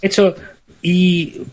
...eto i